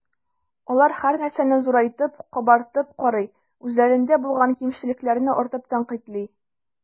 Алар һәрнәрсәне зурайтып, “кабартып” карый, үзләрендә булган кимчелекләрне артык тәнкыйтьли.